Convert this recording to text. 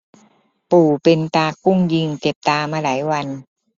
ปู่เป็นตากุ้งยิงเจ็บตามาหลายวัน